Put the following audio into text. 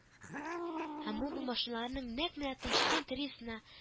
Һәм ул бу машиналарның нәкъ менә Ташкент рейсына